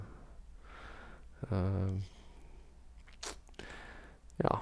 Ja.